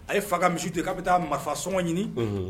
A ye fa misi ten k' bɛ taa marifa sɔngɔ ɲini